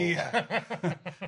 Ia!